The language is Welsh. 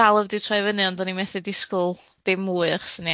dal heb di troi fyny, ond o'n i methu disgwl dim mwy achos o'n